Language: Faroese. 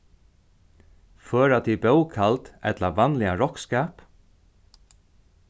føra tit bókhald ella vanligan roknskap